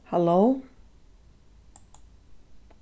halló